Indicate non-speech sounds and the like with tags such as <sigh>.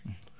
<hesitation> <hesitation>